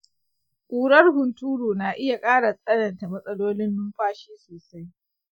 ƙurar hunturu na iya ƙara tsananta matsalolin numfashi sosai.